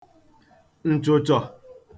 nchụchò